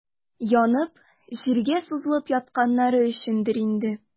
Янып, җиргә сузылып ятканнары өчендер инде.